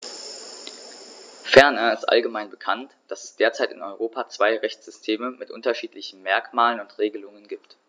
Ferner ist allgemein bekannt, dass es derzeit in Europa zwei Rechtssysteme mit unterschiedlichen Merkmalen und Regelungen gibt.